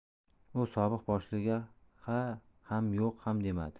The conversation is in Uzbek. u sobiq boshlig'iga ha ham yo'q ham demadi